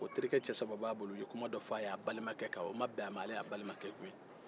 ko terikɛ saba b'a bolo olu ye kuma dɔ fɔ a ye a balimakɛ kan o ma bɛn a ma a y'a balimakɛ gɛn